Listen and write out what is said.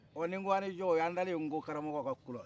ɔ ni k'aw ni jɔ o y'an tale ye ŋo karamoko kulula